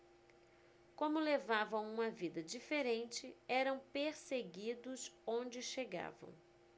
como levavam uma vida diferente eram perseguidos onde chegavam